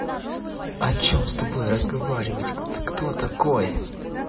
о чем с тобой разговаривать ты кто такой